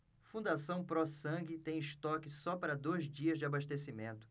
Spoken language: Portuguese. fundação pró sangue tem estoque só para dois dias de abastecimento